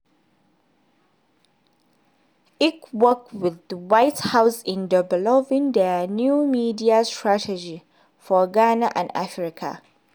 Erik worked with the White House in developing their new media strategy for Ghana and Africa.